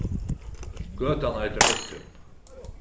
gøtan eitur mittún